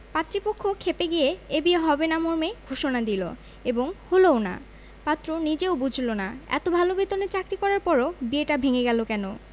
পাত্রীপক্ষ খেপে গিয়ে এ বিয়ে হবে না মর্মে ঘোষণা দিল এবং হলোও না পাত্র নিজেও বুঝল না এত ভালো বেতনে চাকরি করার পরও বিয়েটা ভেঙে গেল কেন